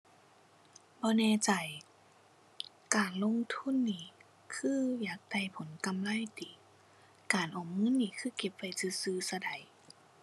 บ่แน่ใจ การลงทุนนี่คืออยากได้ผลกำไรติ การออมเงินนี่คือเก็บไว้ซื่อซื่อซะใด